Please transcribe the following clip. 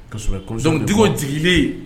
K'a sɔrɔ a Donc Diko jigilen